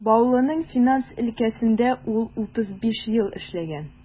Баулының финанс өлкәсендә ул 35 ел эшләгән.